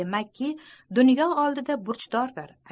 demakki dunyo oldida burchdordir